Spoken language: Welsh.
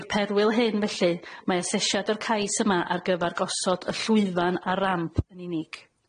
I'r perwyl hyn felly mae asesiad o'r cais yma ar gyfar gosod y llwyfan a ramp yn unig.